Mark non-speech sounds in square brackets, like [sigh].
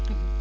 [hesitation] [hesitation]